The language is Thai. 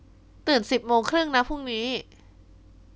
ตื่นสิบโมงครึ่งนะพรุ่งนี้